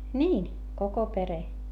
niin koko perhe